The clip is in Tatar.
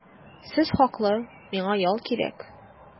Сез хаклы, миңа ял кирәк.